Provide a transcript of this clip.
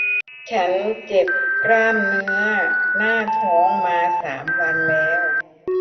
ฉันเจ็บกล้ามเนื้อหน้าท้องมาสามวันแล้ว